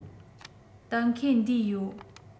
གཏན འཁེལ འདུས ཡོད